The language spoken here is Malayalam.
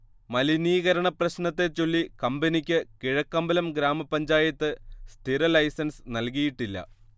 മലിനീകരണപ്രശ്നത്തെച്ചൊല്ലി കമ്പനിക്ക് കിഴക്കമ്പലം ഗ്രാമപഞ്ചായത്ത് സ്ഥിരലൈസൻസ് നൽകിയിട്ടില്ല